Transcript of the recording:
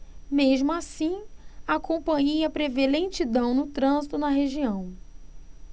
mesmo assim a companhia prevê lentidão no trânsito na região